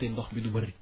te ndox bi du bëri